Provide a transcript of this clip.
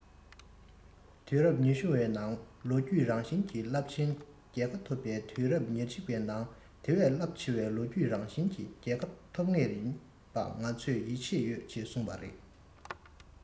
དུས རབས ཉི ཤུ བའི ནང ལོ རྒྱུས རང བཞིན གྱི རླབས ཆེན རྒྱལ ཁ ཐོབ པའི དུས རབས ཉེར གཅིག པའི ནང དེ བས རླབས ཆེ བའི ལོ རྒྱུས རང བཞིན གྱི རྒྱལ ཁབ ཐོབ ངེས ཡིན པ ང ཚོར ཡིད ཆེས ཡོད ཅེས གསུངས པ རེད